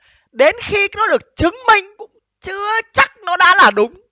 đến khi nó được chứng minh cũng chưa chắc nó đã là đúng